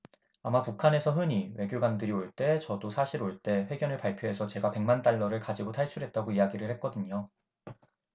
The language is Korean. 아마 북한에서 흔히 외교관들이 올 때 저도 사실 올 때 회견을 발표해서 제가 백 만 달러를 가지고 탈출했다고 이야기를 했거든요